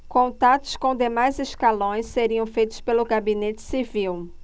contatos com demais escalões seriam feitos pelo gabinete civil